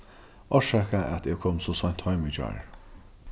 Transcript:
orsaka at eg kom so seint heim í gjár